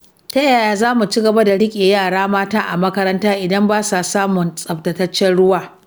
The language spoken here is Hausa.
Ta yaya za mu ci gaba da riƙe yara mata a makaranta idan ba sa samun tsabtataccen ruwa?